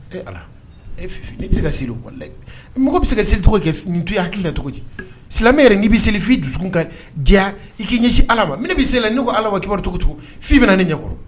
E ala e se ka siri dɛ mɔgɔ bɛ se ka seli to' hakilila cogo di silamɛ yɛrɛ n'i bɛ seli fi dusu ka diya i k'i ɲɛ ala ma min bɛ seli la n'i ko ala wa kiba cogo cogo' bɛ ni ɲɛkɔrɔ